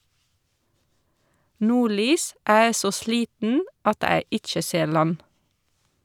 Nordlys, æ e så sliten at æ ikkje ser land.